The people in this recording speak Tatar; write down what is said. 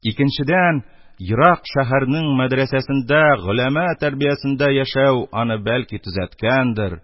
Икенчедән, «ерак шәһәрнең мәдрәсәсендә голәма тәрбиясендә яшәү» аны, бәлки, төзәткәндер